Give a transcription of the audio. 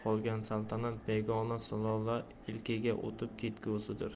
qolgan saltanat begona sulola ilkiga o'tib ketgusidir